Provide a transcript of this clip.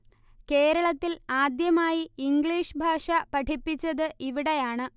കേരളത്തിൽ ആദ്യമായി ഇംഗ്ലീഷ് ഭാഷ പഠിപ്പിച്ചത് ഇവിടെയാണ്